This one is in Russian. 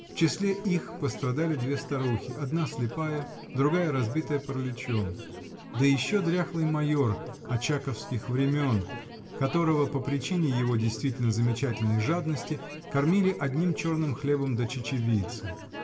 в числе их пострадали две старухи, одна -- слепая, другая -- разбитая параличом, да еще дряхлый майор очаковских времен, которого, по причине его действительно замечательной жадности, кормили одним черным хлебом да чечевицей.